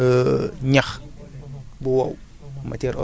buñ jëlee exemple mën nañ ne ñax